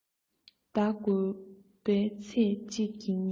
ཟླ ཚེས ཉིན